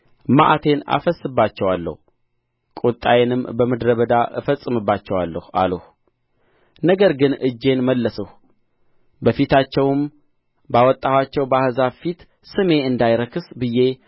መዓቴን አፈስስባቸዋለሁ ቍጣዬንም በምድረ በዳ እፈጽምባቸዋለሁ አልሁ ነገር ግን እጄን መለስሁ በፊታቸውም ባወጣኋቸው በአሕዛብ ፊት ስሜ እንዳይረክስ ብዬ